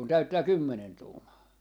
kun täyttää kymmenen tuumaa